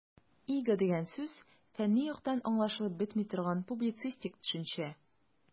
"иго" дигән сүз фәнни яктан аңлашылып бетми торган, публицистик төшенчә.